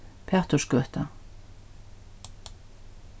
pætursgøta